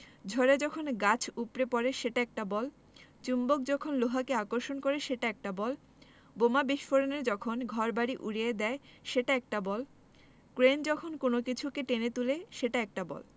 ঝড়ে যখন গাছ উপড়ে পড়ে সেটা একটা বল চুম্বক যখন লোহাকে আকর্ষণ করে সেটা একটা বল বোমা বিস্ফোরণে যখন ঘরবাড়ি উড়িয়ে দেয় সেটা একটা বল ক্রেন যখন কোনো কিছুকে টেনে তুলে সেটা একটা বল